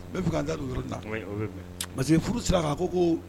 N bɛ fɛ ka da yɔrɔ masakɛ furu sira kan ko ko